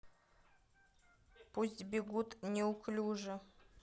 пусть бегут неуклюжи